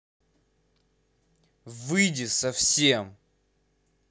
выйди совсем